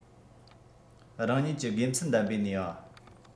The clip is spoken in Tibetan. རང ཉིད ཀྱི དགེ མཚན ལྡན པའི ནུས པ